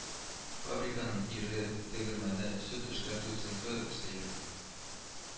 Фабриканың ире, тегермәне, сөт эшкәртү цехы, сыер